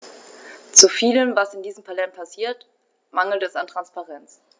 Zu vielem, was in diesem Parlament passiert, mangelt es an Transparenz.